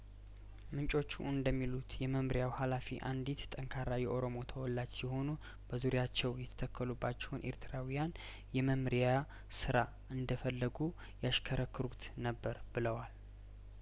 ምንጮቹ እንደሚሉት የመምሪያው ሀላፊ አንዲት ጠንካራ የኦሮሞ ተወላጅ ሲሆኑ በዙሪያቸው የተተከሉባቸውን ኤርትራውያን የመምሪያስራ እንደፈለጉ ያሽከረክሩት ነበር ብለዋል